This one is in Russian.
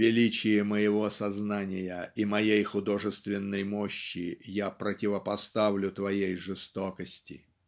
величие моего сознания и моей художественной мощи я противопоставлю твоей жестокости".